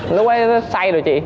lúc ấy say rồi chị